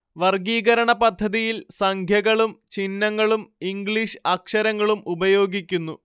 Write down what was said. വർഗ്ഗീകരണ പദ്ധതിയിൽ സംഖ്യകളും ചിഹ്നങ്ങളും ഇംഗ്ലീഷ് അക്ഷരങ്ങളും ഉപയോഗിക്കുന്നു